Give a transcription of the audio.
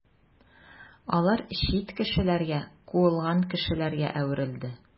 Алар чит кешеләргә, куылган кешеләргә әверелде.